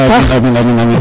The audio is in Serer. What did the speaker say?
amin amin amiin